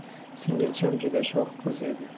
singilcham juda sho'x qiz edi